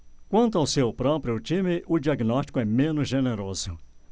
quanto ao seu próprio time o diagnóstico é menos generoso